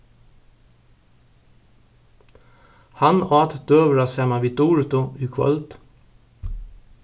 hann át døgurða saman við duritu í kvøld